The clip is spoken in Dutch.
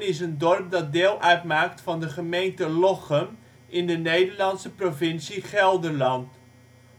is een dorp dat deel uitmaakt van de gemeente Lochem in de Nederlandse provincie Gelderland.